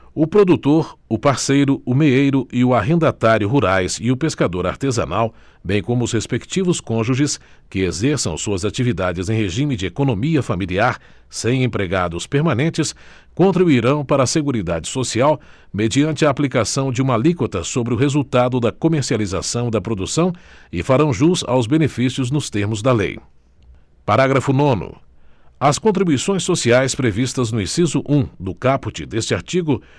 o produtor o parceiro o meeiro e o arrendatário rurais e o pescador artesanal bem como os respectivos cônjuges que exerçam suas atividades em regime de economia familiar sem empregados permanentes contribuirão para a seguridade social mediante a aplicação de uma alíquota sobre o resultado da comercialização da produção e farão jus aos benefícios nos termos da lei parágrafo nono as contribuições sociais previstas no inciso um do caput deste artigo